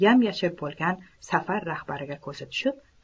yam yashil bo'lgan safar rahbariga ko'zi tushib